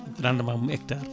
rendement mum hectare